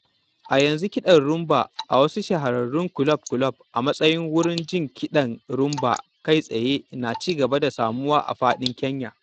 A yanzu kiɗan Rhumba a wasu shahararun kulob-kulob a matsayin wuurin jin kiɗan Rhumba kai-tsaye na ci gaba da samuwa a faɗin Kenya